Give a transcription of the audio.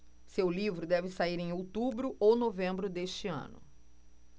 seu livro deve sair em outubro ou novembro deste ano